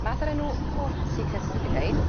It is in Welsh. Math o'r enw poeticus ydi rhein.